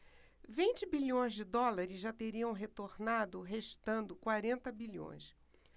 vinte bilhões de dólares já teriam retornado restando quarenta bilhões